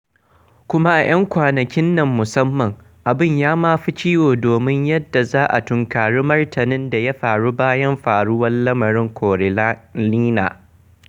Kuma a 'yan kwanakin nan musamman, abin ya ma fi ciwo domin yadda za a tunkari martanin da ya faru bayan faruwar lamarin Carolina…